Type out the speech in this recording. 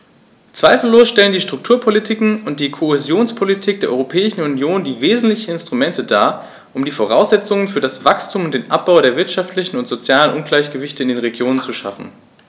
Zweifellos stellen die Strukturpolitiken und die Kohäsionspolitik der Europäischen Union die wesentlichen Instrumente dar, um die Voraussetzungen für das Wachstum und den Abbau der wirtschaftlichen und sozialen Ungleichgewichte in den Regionen zu schaffen.